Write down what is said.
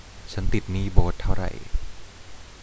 ฉันติดหนี้โบ๊ทเท่าไร